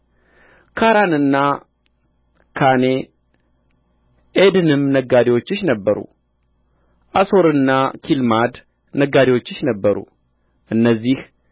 ካራንና ካኔ ዔድንም ነጋዴዎችሽ ነበሩ አሦርና ኪልማድ ነጋዴዎችሽ ነበሩ እነዚህ